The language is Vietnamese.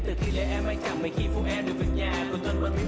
việc nhà cuối